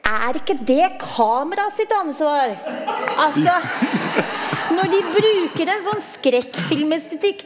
er ikke det kamera sitt ansvar, altså når de bruker en sånn skrekkfilmestetikk?